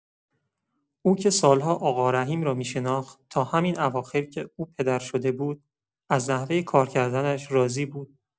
او که سال‌ها آقا رحیم را می‌شناخت، تا همین اواخر که او پدر شده بود، از نحوه کارکردنش راضی بود.